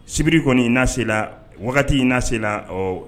Sibiri kɔni i nasela wagati i nasela ɔ